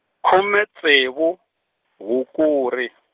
khume ntsevu, Hukuri.